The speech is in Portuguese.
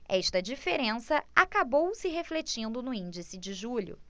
esta diferença acabou se refletindo no índice de julho